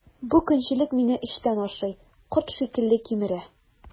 Бу көнчелек мине эчтән ашый, корт шикелле кимерә.